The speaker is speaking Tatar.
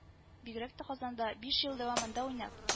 Бигрәк тә Казанда биш ел дәвамында уйнап